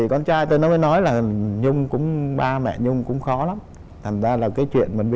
thì con trai tôi nó mới nói là nhung cũng ba mẹ nhung cũng khó lắm thành ra là cái chuyện